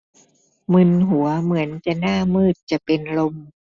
มึนหัวเหมือนจะหน้ามืดจะเป็นลม